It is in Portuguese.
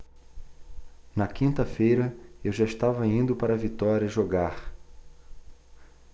na quinta-feira eu já estava indo para vitória jogar